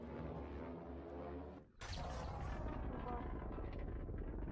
у ба